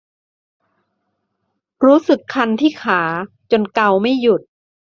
รู้สึกคันที่ขาจนเกาไม่หยุด